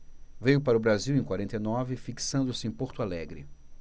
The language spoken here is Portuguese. veio para o brasil em quarenta e nove fixando-se em porto alegre